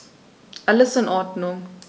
Alles in Ordnung.